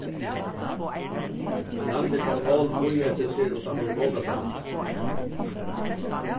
randi bað pól bíða eftir sær uttan fyri bókasavnið